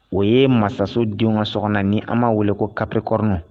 O ye mansasodenw ŋa sɔkɔɔna ye ni an m'a wele ko capricorne w